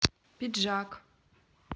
пиджак